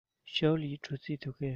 ཞའོ ལིའི འགྲོ རྩིས འདུག གས